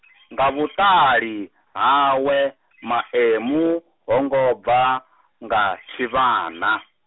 nga vhuṱali, hawe, Maemu, ho ngo bva, nga, tshivhana.